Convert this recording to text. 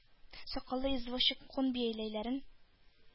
Сакаллы извозчик, күн бияләйләрен